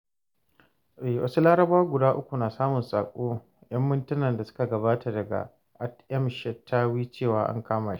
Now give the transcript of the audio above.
A ƙarshe, kamar masu rajin kawo sauyi da 'yan ƙasa, masu mulkin kama-karya ma suna amfani da sabuwar fasaha.